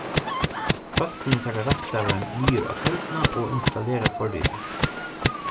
fólk kunnu taka rættstavaran niður á telduna og innstallera forritið